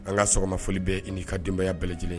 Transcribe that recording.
An ka sɔgɔma foli bɛɛ n'i ka denbaya bɛɛ lajɛlen ye